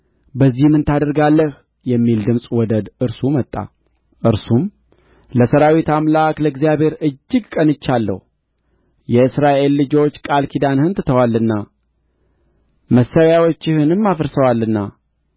በዚህ ምን ታደርጋለህ የሚል ድምፅ ወደ እርሱ መጣ እርሱም ለሠራዊት አምላክ ለእግዚአብሔር እጅግ ቀንቻለሁ የእስራኤል ልጆች ቃል ኪዳንህን ትተዋልና መሠዊያዎችህንም አፍርሰዋልና